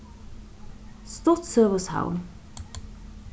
stuttsøgusavn